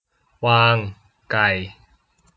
วางไก่